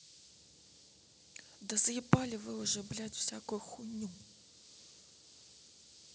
да заебали вы уже блядь всякую хуйню